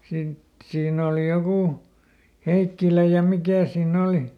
siinä oli joku Heikkilä ja mikä siinä oli